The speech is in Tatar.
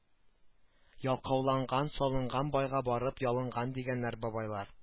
Ялкауланган-салынган байга барып ялынган дигәннәр бабайлар